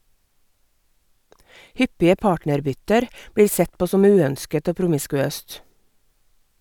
Hyppige partnerbytter blir sett på som uønsket og promiskuøst.